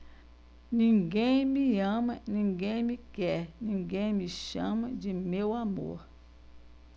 ninguém me ama ninguém me quer ninguém me chama de meu amor